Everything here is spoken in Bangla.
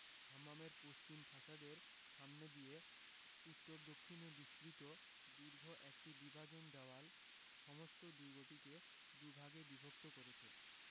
হাম্মামের পশ্চিম ফাসাদের সামনে দিয়ে উত্তর দক্ষিণে বিস্তৃত দীর্ঘ একটি বিভাজন দেওয়াল সমস্ত দুর্গটিকে দুভাগে বিভক্ত করেছে